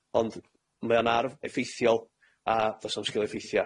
ond mae o'n arf effeithiol, a do's na'm sgil-effeithia.